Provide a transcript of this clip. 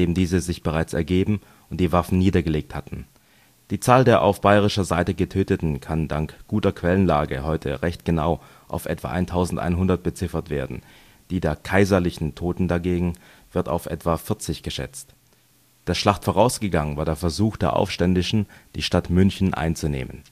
diese sich bereits ergeben und die Waffen niedergelegt hatten. Die Zahl der auf bayerischer Seite Getöteten kann dank guter Quellenlage heute recht genau auf etwa 1.100 beziffert werden, die der „ kaiserlichen “Toten dagegen wird auf etwa 40 geschätzt. Der Schlacht vorausgegangen war der Versuch der Aufständischen, die Stadt München einzunehmen